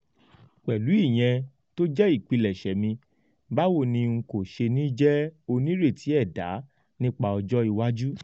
Pẹ̀lú ìyẹ́n tó jẹ́ ìpilẹ̀ṣẹ̀ mi, báwo ní n kò ṣe ní jẹ́ onírètí ẹ̀dà nípa ọjọ́ iwájú"